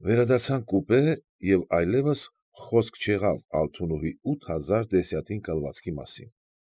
Վերադարձանք կուպե, և այլևս խոսք չեղավ Ալթունովի ութ հազար դեսյատին կալվածքի մասին։